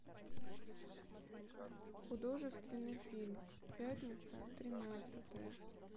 художественный фильм пятница тринадцатое